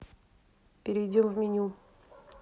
перейдем в меню